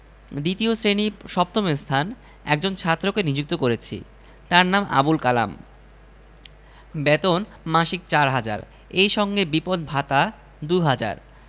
হা হা হা সামান্য ইংরেজী লোকজন বুঝতে পারে না সো সেড বড়ই দুঃখজনক টেলিগ্রামের অর্থ পরিষ্কার হওয়ামাত্র সিদ্দিক সাহেবের বাসার সামনের মাঠ